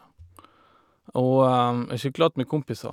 Og jeg sykla attmed kompiser.